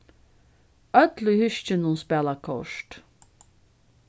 øll í húskinum spæla kort